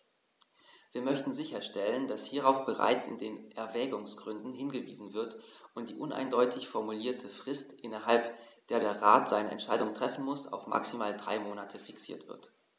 Wir möchten sicherstellen, dass hierauf bereits in den Erwägungsgründen hingewiesen wird und die uneindeutig formulierte Frist, innerhalb der der Rat eine Entscheidung treffen muss, auf maximal drei Monate fixiert wird.